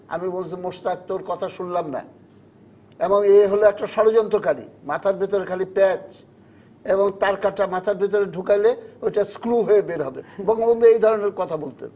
আমি বলছি মোশতাক তোর কথা শুনলাম না এবং এই হলো একটা ষড়যন্ত্রকারী মাথার ভেতরে খালি প্যাচ এবং তার কাটা মাথার ভেতরে ঢুকাইলে ওটা স্ক্রু হয়ে বের হবে বঙ্গবন্ধু এধরনের কথা বলতেন